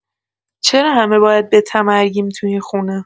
چرا همه باید بتمرگیم تو این خونه؟